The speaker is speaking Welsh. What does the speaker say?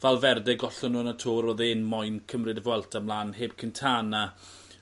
Valverde gollon n'w yn y Tour o'dd e'n moyn cymryd y Vuelta mlan heb Quintana*